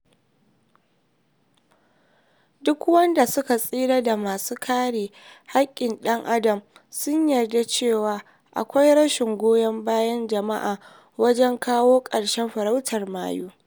Da waɗanda suka tsira da masu kare haƙƙin ɗam adam sun yarda cewa akwai rashin goyon bayan jama'a wajen kawo ƙarshen farautar mayya.